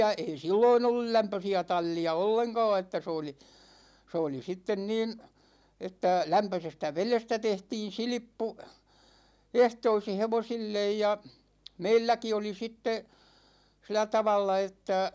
ei silloin ollut lämpöisiä tallia ollenkaan että se oli se oli sitten niin että lämpöisestä vedestä tehtiin silppu ehtoisin hevosille ja meilläkin oli sitten sillä tavalla että